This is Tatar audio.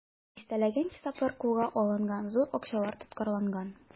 Дистәләгән хисаплар кулга алынган, зур акчалар тоткарланган.